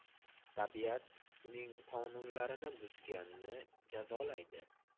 tabiat uning qonunlarini buzganni jazolaydi